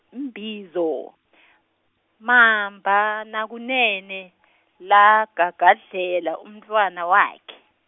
Mbizo , Mamba naKunene, lagagadlela umntfwana wakhe.